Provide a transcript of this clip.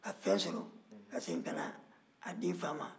ka fɛn sɔrɔ ka segin ka n'a di nfa ma